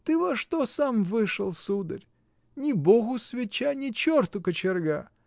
— Ты во что сам вышел, сударь: ни Богу свеча, ни черту кочерга!